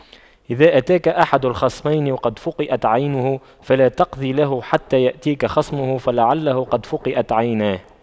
إذا أتاك أحد الخصمين وقد فُقِئَتْ عينه فلا تقض له حتى يأتيك خصمه فلعله قد فُقِئَتْ عيناه